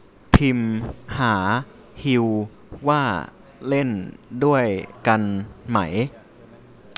พิมหาฮิวว่าเล่นด้วยกันไหม